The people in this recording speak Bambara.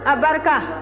abarika